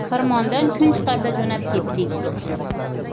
xirmondan kun chiqarda jo'nab ketdik